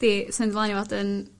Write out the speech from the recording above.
'di symud mlaen i fod yn